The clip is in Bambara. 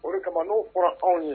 O de kama n'o fɔra anw ye